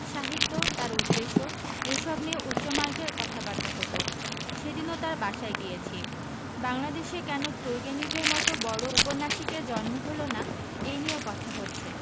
সাহিত্য তার উদ্দেশ্য এইসব নিয়ে উচ্চমার্গের কথাবার্তা হত সেদিনও তার বাসায় গিয়েছি বাংলাদেশে কেন তুর্গেনিভের মত বড় উপন্যাসিকের জন্ম হল না এই নিয়ে কথা হচ্ছে